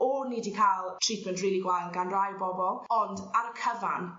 o'n i 'di ca'l treatment rili gwael gan rai bobol ond ar y cyfan